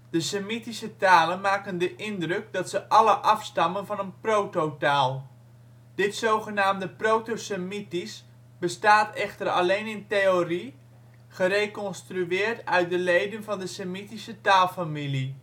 De semitische talen maken de indruk dat ze alle afstammen van een proto-taal. Dit zogenaamde proto-semitisch bestaat echter alleen in theorie, gereconstrueerd uit de leden van de semitische taalfamilie